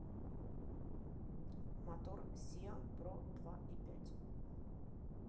мотор сиа про два и пять